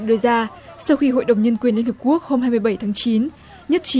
đưa ra sau khi hội đồng nhân quyền liên hiệp quốc hôm hai mươi bảy tháng chín nhất trí